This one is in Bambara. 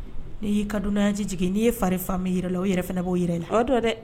Ni yi ka dunanya ji jigin n'i ye fari fan min jira u la , u yɛrɛ fana b'o de jira i la, o don dɛ.